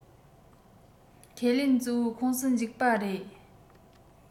ཁས ལེན གཙོ བོའི ཁོངས སུ འཇུག པ རེད